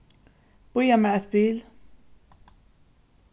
bíða mær eitt bil